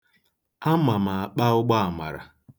Ama m akpa ụgbọamara.